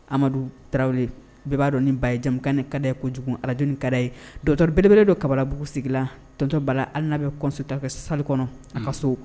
Amadu tarawele bɛɛ b'a dɔn nin jɛmukan in ka d'a ye kojugu. radio in ka d'a ye. Docteur belebele don kabalabugu sigi la tɔnontɔ Bala hali n'a bɛ consulta kɛ salle kɔnɔ a ka so